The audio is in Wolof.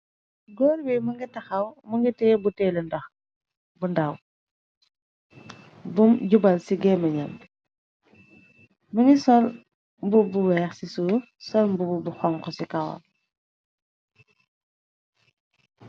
Goor bi mënga taxaw mu nga teyeh buteelu ndox bu ndaw, bum jubal ci géemenam mu ngi sol mbu bu weex ci suuf sol mbub bu xonk ci kawam.